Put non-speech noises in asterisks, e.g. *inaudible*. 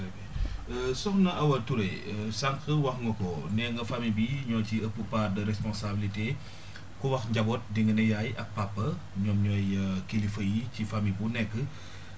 *hesitation* *hesitation* Sokhna Awa Touré *hesitation* sànq wax nga ko nee nga famille bii ñoo ci ëpp part de responsabilité *breath* ku wax njaboot dinga ne yaay ak papa ñoom ñooy kilifa ci famille bu nekk *breath*